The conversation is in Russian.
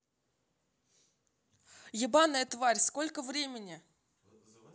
ебаная тварь сколько времени